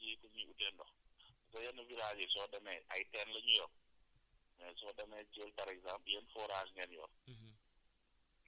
ça dépend par exemple ci nit yi nu ñuy utee ndox sa yenn villages yi soo demee ay teen la ñu yor mais soo demee ay Thièl par exemple yéen forage ngeen yor